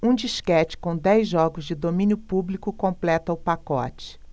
um disquete com dez jogos de domínio público completa o pacote